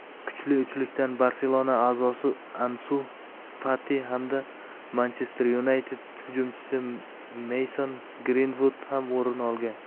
kuchli uchlikdan barselona a'zosi ansu fati hamda manchester yunayted hujumchisi meyson grinvud ham o'rin olgan